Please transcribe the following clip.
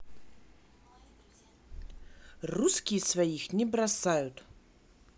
русские своих не бросают